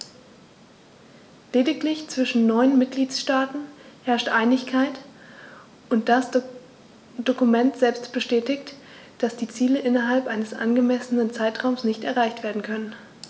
Lediglich zwischen neun Mitgliedsstaaten herrscht Einigkeit, und das Dokument selbst bestätigt, dass die Ziele innerhalb eines angemessenen Zeitraums nicht erreicht werden können.